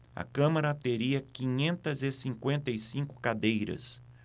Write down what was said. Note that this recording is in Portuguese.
a câmara teria quinhentas e cinquenta e cinco cadeiras